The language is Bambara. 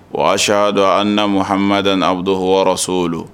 Wa dɔn ali naa muhad n' abu don hɔso don